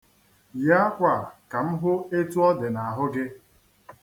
Yie akwa a ka m hụ etu ọ dị n'ahụ gị.